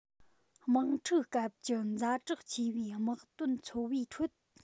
དམག འཁྲུག སྐབས ཀྱི ཛ དྲག ཆེ བའི དམག དོན འཚོ བའི ཁྲོད